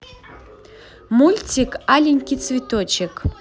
мультик аленький цветочек